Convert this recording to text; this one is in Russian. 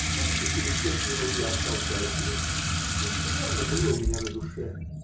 Все таки через пять минут я остался один, и скверно было у меня на душе.